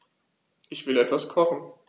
Ich will etwas kochen.